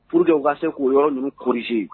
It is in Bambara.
Furu dɔwfa se k'o y yɔrɔ ninnuu korisi